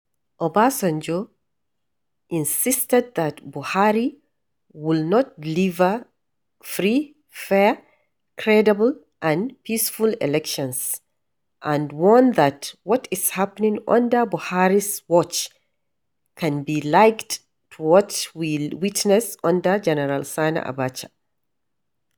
Obasanjo insisted that Buhari would not deliver "free, fair, credible and peaceful elections" and warned that what "is happening under Buhari’s watch can be likened to what we witnessed under Gen. Sani Abacha.